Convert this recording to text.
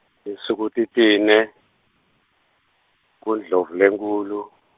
tinsuku titine, kuNdlovulenkulu.